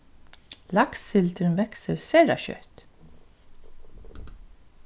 lakssildin veksur sera skjótt